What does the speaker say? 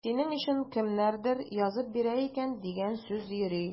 Синең өчен кемнәрдер язып бирә икән дигән сүз йөри.